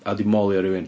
A 'di molio rywun.